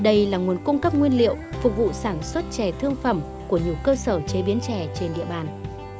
đây là nguồn cung cấp nguyên liệu phục vụ sản xuất chè thương phẩm của nhiều cơ sở chế biến chè trên địa bàn